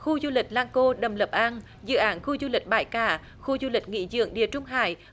khu du lịch lăng cô đầm lập an dự án khu du lịch bãi cả khu du lịch nghỉ dưỡng địa trung hải